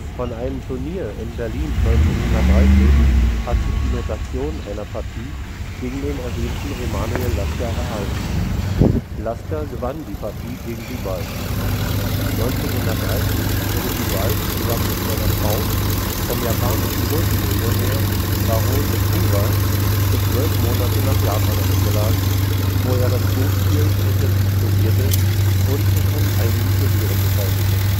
Von einem Turnier in Berlin 1930 hat sich die Notation einer Partie gegen den erwähnten Emanuel Lasker erhalten. Lasker gewann die Partie gegen Dueball. 1930 wurde Dueball zusammen mit seiner Frau vom japanischen Multimillionär Baron Okura für 12 Monate nach Japan eingeladen, wo er das Go-Spiel intensiv studierte und sich an einigen Turnieren beteiligte